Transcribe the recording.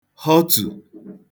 họtù